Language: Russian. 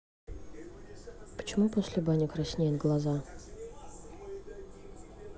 почему после бани краснеет глаза